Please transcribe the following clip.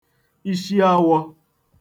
ishiawọ